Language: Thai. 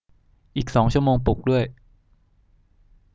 อีกสองชั่วโมงปลุกด้วย